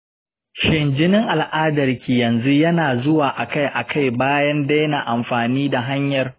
shin jinin al'adarki yanzu yana zuwa a kai a kai bayan daina amfani da hanyar?